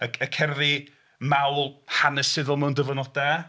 Y y cerddi mawl hanesyddol mewn dyfynodau.